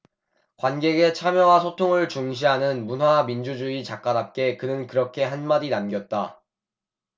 관객의 참여와 소통을 중시하는 문화민주주의 작가답게 그는 그렇게 한 마디 남겼다